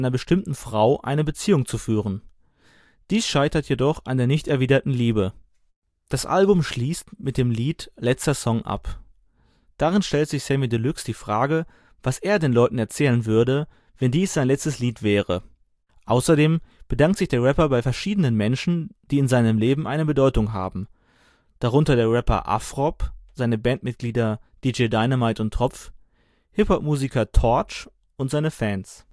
bestimmten Frau eine Beziehung zu führen. Dies scheitert jedoch an der nicht erwiderten Liebe. Das Album schließt mit dem Lied Letzter Song ab. Darin stellt sich Samy Deluxe die Frage, was er „ den Leuten erzählen “würde, wenn dies sein letztes Lied wäre. Außerdem bedankt sich der Rapper bei verschiedenen Menschen, die in seinem Leben eine Bedeutung haben, darunter der Rapper Afrob, seine Bandmitglieder DJ Dynamite und Tropf, Hip-Hop-Musiker Torch und seine Fans